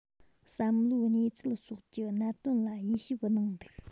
བསམ བློའི གནས ཚུལ སོགས ཀྱི གནད དོན ལ དབྱེ ཞིབ གནང འདུག